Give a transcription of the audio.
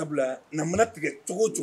Na tigɛ cogo cogo